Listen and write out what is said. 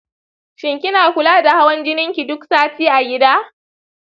shin kina kula da hawan jininki duk sati a gida?